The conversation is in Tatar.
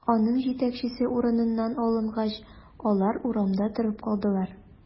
Аның җитәкчесе урыныннан алынгач, алар урамда торып калдылар.